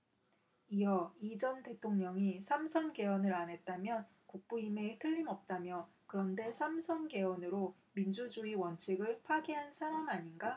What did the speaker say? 이어 이 전 대통령이 삼 선 개헌을 안했다면 국부임에 틀림없다며 그런데 삼 선 개헌으로 민주주의 원칙을 파괴한 사람 아닌가